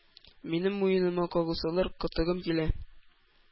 — минем муеныма кагылсалар, кытыгым килә,